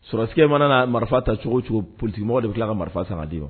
Surakati mana na marifa tacogo cogo politigimɔgɔ de tila ka marifa samaga ye